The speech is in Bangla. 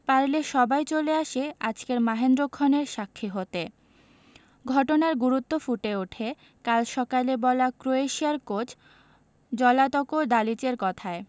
পারলে সবাই চলে আসে আজকের মাহেন্দ্রক্ষণের সাক্ষী হতে ঘটনার গুরুত্ব ফুটে ওঠে কাল সকালে বলা ক্রোয়েশিয়ার কোচ জ্লাতকো দালিচের কথায়